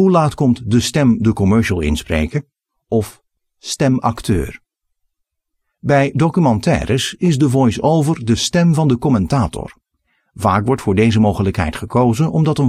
laat komt de stem de commercial inspreken? ") of stemacteur. Bij documentaires is de voice-over de stem van de commentator. Vaak wordt voor deze mogelijkheid gekozen omdat